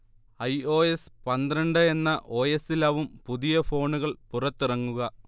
I. O. S പന്ത്രണ്ടു എന്ന പുതിയ ഓ. എസി ലാവും പുതിയ ഫോണുകൾ പുറത്തിറങ്ങുക